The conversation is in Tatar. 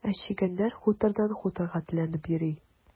Ә чегәннәр хутордан хуторга теләнеп йөри.